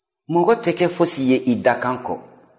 mɔgɔ tɛ kɛ fosi ye i dakan kɔ